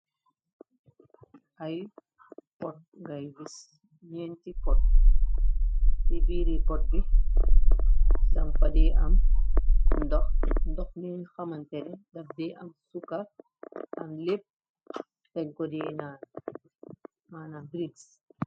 Ay pot ngè gës, nënti pot. Ci biir pot bi dan fa dè am ndoh. Ndoh bu nyi hamantene daf dè am sukar ak lèp. Dèn ko dè nan. Manam drinks.